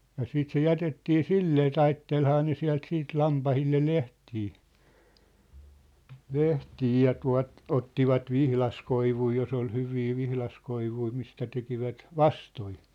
ja sitten se jätettiin sillä tavalla taittelihan ne sieltä sitten lampaille lehtiä lehtiä ja tuolta ottivat vihdaskoivuja jos oli hyviä vihdaskoivuja mistä tekivät vastoja